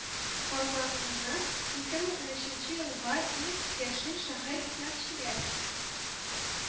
Казанны ике мең унөченче елга иң яшел шәһәр итмәкчеләр